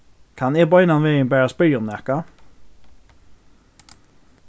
kann eg beinanvegin bara spyrja um nakað